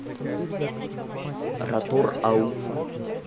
ротор уфа